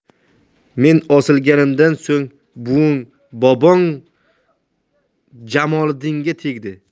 men osilganimdan so'ng buving bobong jamoliddinga tegdi